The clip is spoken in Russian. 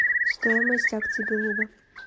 стоимость акций белуга